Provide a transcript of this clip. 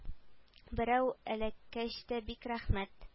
Берәү эләккәч тә бик рәхмәт